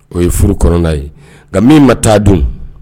O ye furuɔrɔnna ye nka min ma taa dun